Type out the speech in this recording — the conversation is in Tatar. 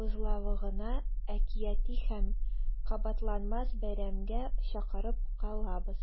бозлавыгына әкияти һәм кабатланмас бәйрәмгә чакырып калабыз!